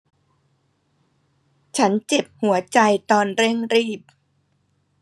ฉันเจ็บหัวใจตอนเร่งรีบ